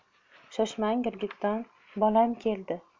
shoshmang girgitton bolam keldi